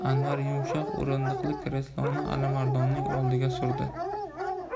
anvar yum shoq o'rindiqli kresloni alimardonning oldiga surdi